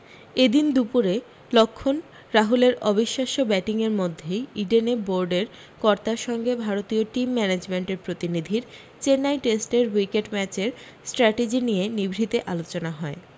এ দিন দুপুরে লক্ষ্মণ রাহুলের অবিশ্বাস্য ব্যাটিংয়ের মধ্যেই ইডেনে বোরডের কর্তার সঙ্গে ভারতীয় টিম ম্যানেজমেন্টের প্রতিনিধির চেন্নাই টেস্টের উইকেট ম্যাচের স্ট্র্যাটেজি নিয়ে নিভৃতে আলোচনা হয়